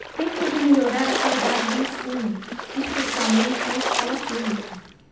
temos de melhorar a qualidade do ensino especialmente na escola pública